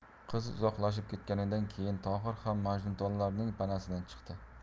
qiz uzoqlashib ketgandan keyin tohir ham majnuntollarning panasidan chiqdi